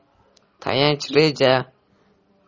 tayanch reja